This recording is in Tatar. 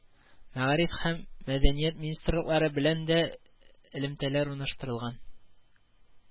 Мәгариф һәм мәдәният министрлыклары белән дә элемтәләр урнаштырылган